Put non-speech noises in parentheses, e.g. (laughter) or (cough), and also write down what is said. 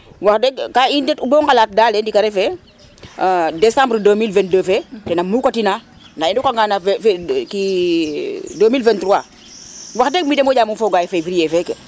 wax deg ka i ndet u bo ngalat dal ndika refe (hesitation) Decembre 2022 fe tene muka tina nda i ndoka nga na fevrier ki (hesitation) 2023 wax deg moƴa foga ye fevrier feke